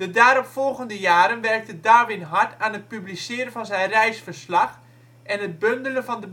daarop volgende jaren werkte Darwin hard aan het publiceren van zijn reisverslag en het bundelen van de